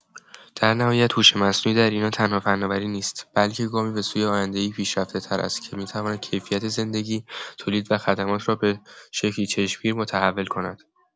در نهایت، هوش مصنوعی در ایران تنها فناوری نیست، بلکه گامی به سوی آینده‌ای پیشرفته‌تر است که می‌تواند کیفیت زندگی، تولید و خدمات را به شکلی چشم‌گیر متحول کند.